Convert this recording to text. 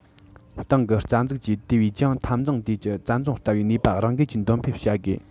ཏང གི རྩ འཛུགས ཀྱིས དེ བས ཀྱང འཐབ འཛིང དུས ཀྱི བཙན རྫོང ལྟ བུའི ནུས པ རང འགུལ གྱིས འདོན སྤེལ བྱ དགོས